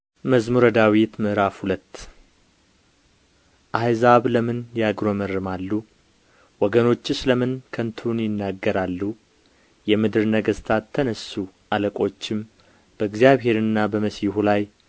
መዝሙር ምዕራፍ ሁለት አሕዛብ ለምን ያጕረመርማሉ ወገኖችስ ለምን ከንቱን ይናገራሉ የምድር ነገሥታት ተነሡ አለቆችም በእግዚአብሔርና በመሢሑ ላይ